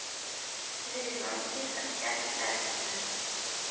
Жириновский, Собчак, Травкиннар